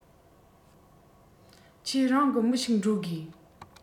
ཁྱེད རང གི མི ཞིག འགྲོ དགོས